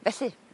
Felly